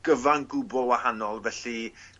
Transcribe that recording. gyfan gwbwl wahanol felly